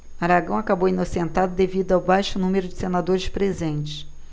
aragão acabou inocentado devido ao baixo número de senadores presentes